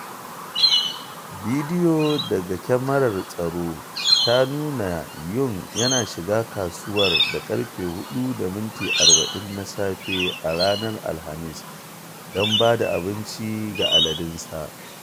Bidiyo daga kyamarar tsaro ta nuna Yuan yana shiga kasuwar da ƙarfe 4:40 na safe a ranar Alhamis don ba da abinci ga aladunsa.